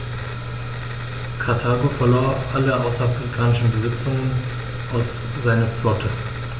Karthago verlor alle außerafrikanischen Besitzungen und seine Flotte.